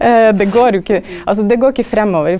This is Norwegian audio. det går jo ikkje altså det går ikkje framover.